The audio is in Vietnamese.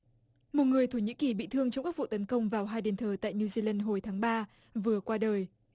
một người thổ nhĩ kỳ bị thương trong các vụ tấn công vào hai đền thờ tại niu ri lân hồi tháng ba vừa qua đời